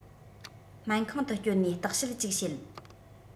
སྨན ཁང དུ བསྐྱོད ནས བརྟག དཔྱད ཅིག བྱེད